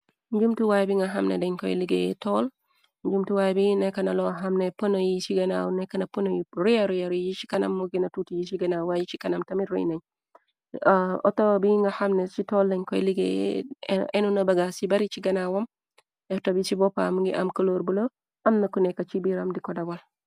Njumtu waay bi nekkna loo xamne pëno yi ci ganaaw nekkna pën yu réeruyer yi ci kanam mo gina tuuti yi ci ganawa yi ci kanam tamir riineñ outo bi nga xamne ci tool deñ koy liggéey enu na baga ci bari ci ganawaom erto bi ci boppaam ngi am këloor bulo am na ko nekka ci biiram di ko dawal.